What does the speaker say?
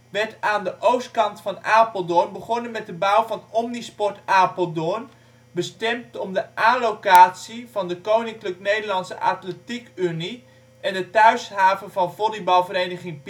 werd aan de oostkant van Apeldoorn begonnen met de bouw van Omnisport Apeldoorn, bestemd om de A-locatie van de Koninklijk Nederlandse Atletiek Unie en de thuishaven van volleybalvereniging